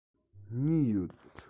གཉིས ཡོད